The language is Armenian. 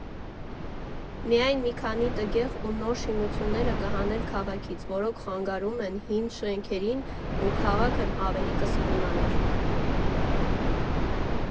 Միայն մի քանի տգեղ ու նոր շինությունները կհանեի քաղաքից, որոնք խանգարում են հին շենքերին ու քաղաքն ավելի կսիրունանար։